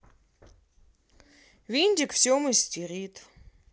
винтик все мастерит